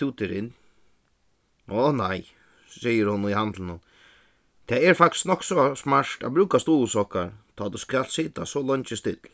tú tær inn áh nei sigur hon í handlinum tað er faktiskt nokk so smart at brúka stuðulssokkar tá tú skalt sita so leingi still